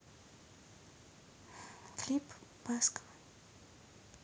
клип баскова